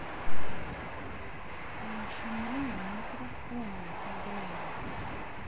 наша мама микрофон напугала